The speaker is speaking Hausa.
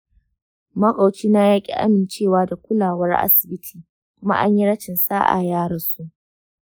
maƙwabcina yaƙi amincewa da kulawar asibiti kuma anyi rashin sa'a ya rasu.